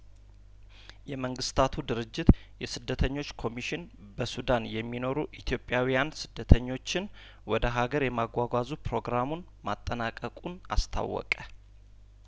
የመንግስታቱ ድርጅት የስደተኞች ኮሚሽን በሱዳን የሚኖሩ ኢትዮጵያውያን ስደተኞችን ወደ ሀገር የማጓጓዙ ፕሮግራሙን ማጠናቀቁን አስታወቀ